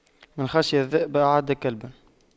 من خشى الذئب أعد كلبا